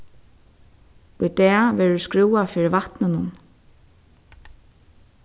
í dag verður skrúvað fyri vatninum